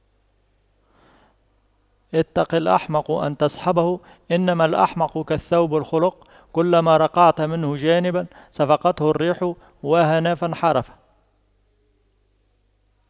اتق الأحمق أن تصحبه إنما الأحمق كالثوب الخلق كلما رقعت منه جانبا صفقته الريح وهنا فانخرق